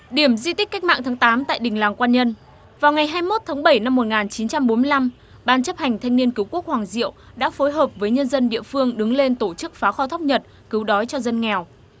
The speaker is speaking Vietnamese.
điểm di tích cách mạng tháng tám tại đình làng quan nhân vào ngày hai mốt tháng bảy năm một ngàn chín trăm bốn lăm ban chấp hành thanh niên cứu quốc hoàng diệu đã phối hợp với nhân dân địa phương đứng lên tổ chức phá kho thóc nhật cứu đói cho dân nghèo